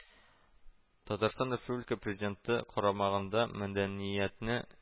Татарстан Республика Президенты карамагындагы мәдәниятне